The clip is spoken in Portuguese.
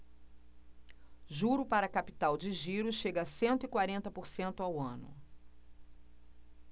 juro para capital de giro chega a cento e quarenta por cento ao ano